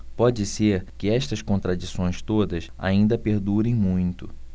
pode ser que estas contradições todas ainda perdurem muito